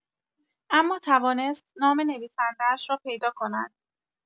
اما توانست نام نویسنده‌اش را پیدا کند.